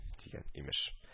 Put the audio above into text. Дигән, имеш